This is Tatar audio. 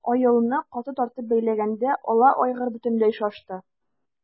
Аелны каты тартып бәйләгәндә ала айгыр бөтенләй шашты.